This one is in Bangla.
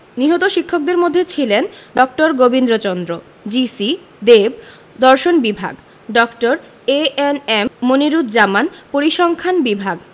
নিহত শিক্ষকদের মধ্যে ছিলেন ড. গোবিন্দচন্দ্র জি.সি দেব দর্শন বিভাগ ড. এ.এন.এম মনিরুজ্জামান পরিসংখান বিভাগ